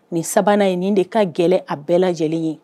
Nin sabanan ye nin de ka gɛlɛn a bɛɛ lajɛlen ye